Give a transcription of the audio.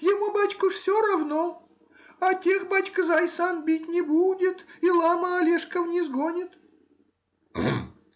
ему, бачка, уж все равно, а тех, бачка, зайсан бить не будет, и лама олешков не сгонит. — Гм!